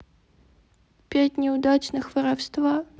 пять неудачных воровства